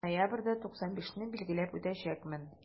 Ноябрьдә 95 не билгеләп үтәчәкмен.